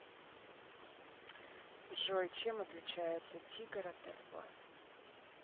джой чем отличается тигр от льва